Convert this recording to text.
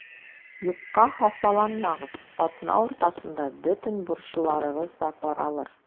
Юкка хафаланмагыз, атна уртасында бөтен борчуларыгыз да таралыр.